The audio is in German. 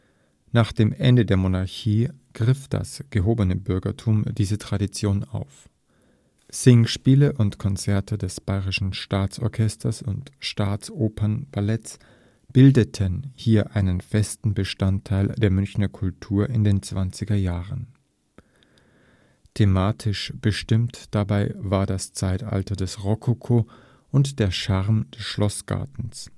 Nach dem Ende der Monarchie griff das gehobene Bürgertum diese Tradition auf. Singspiele und Konzerte des Bayerischen Staatsorchesters und Staatsopernballetts bildeten hier einen festen Bestandteil der Münchner Kultur in den Zwanziger Jahren. Thematisch bestimmend dabei war das Zeitalter des Rokoko und der Charme des Schlossgartens